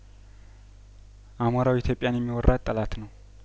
አሞራው ኢትዮጵያን የሚወራት ጠላት ነው